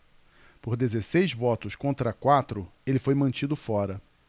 por dezesseis votos contra quatro ele foi mantido fora